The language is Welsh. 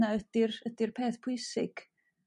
'na ydi'r ydi'r peth pwysig.